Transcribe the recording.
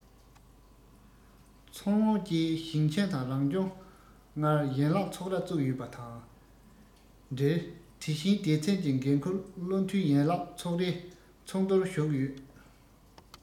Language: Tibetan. མཚོ སྔོན བཅས ཞིང ཆེན དང རང སྐྱོང ལྗོངས ལྔར ཡན ལག ཚོགས ར བཙུགས ཡོད པ དང འབྲེལ དེ བཞིན སྡེ ཚན གྱི འགན ཁུར བློ མཐུན ཡན ལག ཚོགས རའི ཚོགས འདུར ཞུགས ཡོད